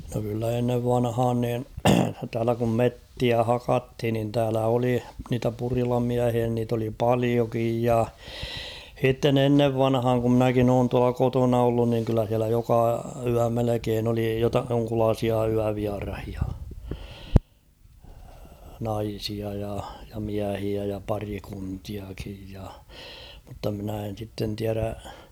no kyllä ennen vanhaan niin täällä kun metsiä hakattiin niin täällä oli niitä purilamiehiä niitä oli paljokin ja sitten ennen vanhaan kun minäkin olen tuolla kotona ollut niin kyllä siellä joka yö melkein oli - jonkunlaisia yövieraita naisia ja ja miehiä ja pariskuntiakin ja mutta minä en sitten tiedä